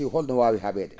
holno waawirtee ha?oreede